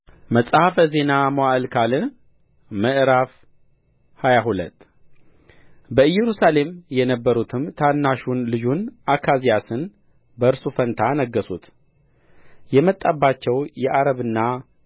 መጽሐፈ ዜና መዋዕል ካልዕ ምዕራፍ ሃያ ሁለት በኢየሩሳሌም የነበሩትም ታናሹን ልጁን አካዝያስን በእርሱ ፋንታ አነገሡት የመጣባቸው የዓረብና